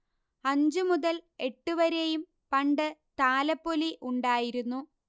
അഞ്ച് മുതൽ എട്ട് വരെയും പണ്ട് താലപ്പൊലി ഉണ്ടായിരുന്നു